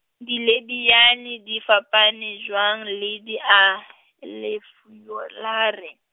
dilebiyale di fapane jwang le dialefiyolare.